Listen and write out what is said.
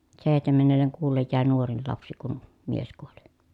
seitsemännelle kuulle jäi nuorin lapsi kun mies kuoli